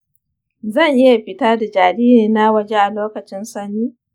zan iya fita da jaririna waje a lokacin sanyi?